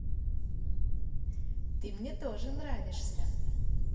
ты мне тоже нравишься